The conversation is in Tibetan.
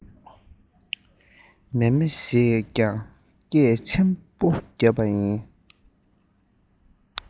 མཱེ མཱེ ཞེས སྐད ཆེན པོ བརྒྱབ པ ཡིན